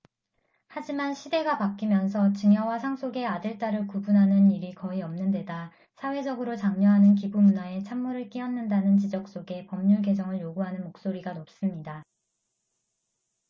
하지만 시대가 바뀌면서 증여와 상속에 아들 딸을 구분하는 일이 거의 없는데다 사회적으로 장려하는 기부문화에 찬물을 끼얹는다는 지적 속에 법률 개정을 요구하는 목소리가 높습니다